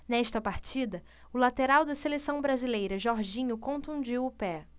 nesta partida o lateral da seleção brasileira jorginho contundiu o pé